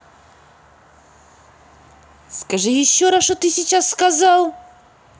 скажи еще раз что что ты сейчас сказал